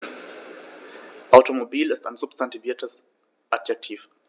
Automobil ist ein substantiviertes Adjektiv.